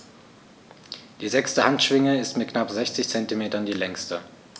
Die sechste Handschwinge ist mit knapp 60 cm die längste.